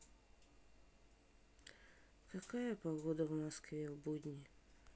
какая погода в москве в будни